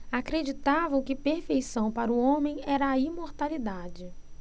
acreditavam que perfeição para o homem era a imortalidade